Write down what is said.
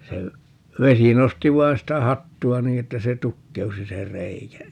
se vesi nosti vain sitä hattua niin että se tukkeutui se reikä